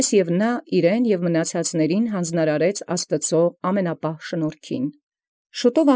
Ըստ նմին աւրինակի և նորա ապսպրեալ զանձն և զմնացեալս ամենապահ շնորհացն Աստուծոյ։